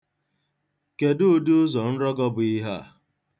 Kedụ ụdị ụzọ nrọgọ bụ ihe a.